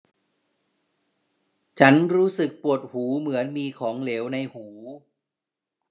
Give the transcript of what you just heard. ฉันรู้สึกปวดหูเหมือนมีของเหลวในหู